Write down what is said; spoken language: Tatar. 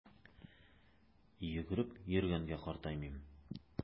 Йөгереп йөргәнгә картаймыйм!